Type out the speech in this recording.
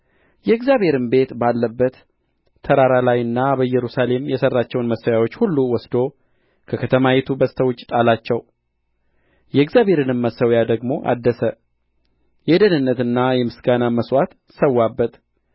የእግዚአብሔርም ቤት ባለበት ተራራ ላይና በኢየሩሳሌም የሠራቸውን መሠዊያዎች ሁሉ ወስዶ ከከተማይቱ በስተ ውጭ ጣላቸው የእግዚአብሔርንም መሠዊያ ደግሞ አደሰ የደኅንነትና የምስጋናም መሥዋዕት ሠዋበት